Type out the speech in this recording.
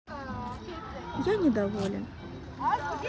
я недоволен